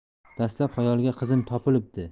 dastlab xayoliga qizim topilibdi